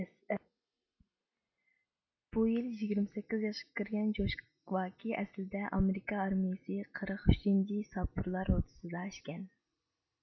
بۇ يىل يىگىرمە سەككىز ياشقا كىرگەن جوشۋاكىي ئەسلىدە ئامېرىكا ئارمىيىسى قىرىق ئۈچىنچى ساپيۇرلار روتىسىدا ئىكەن